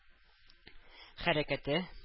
Хәрәкәте